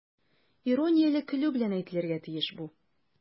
Иронияле көлү белән әйтелергә тиеш бу.